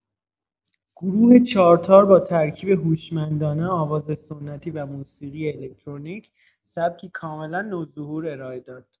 گروه چارتار با ترکیب هوشمندانه آواز سنتی و موسیقی الکترونیک، سبکی کاملا نوظهور ارائه داد.